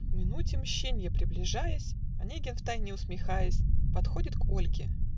К минуте мщенья приближаясь, Онегин, втайне усмехаясь, Подходит к Ольге.